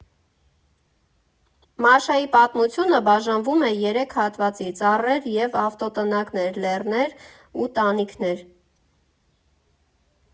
Մաշայի պատմությունը բաժանվում է երեք հատվածի՝ ծառեր և ավտոտնակներ, լեռներ ու տանիքներ։